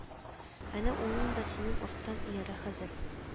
Әнә улың да синең арттан иярә хәзер